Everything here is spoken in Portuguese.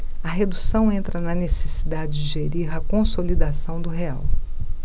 a redução entra na necessidade de gerir a consolidação do real